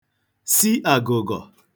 si àgụ̀gọ̀